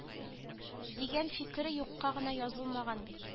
Дигән фикере юкка гына язылмаган бит